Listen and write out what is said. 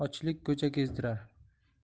ochlik ko'cha kezdirar